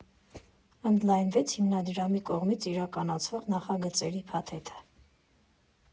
Ընդլայնվեց հիմնադրամի կողմից իրականացվող նախագծերի փաթեթը։